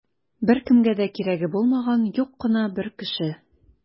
Беркемгә дә кирәге булмаган юк кына бер кеше.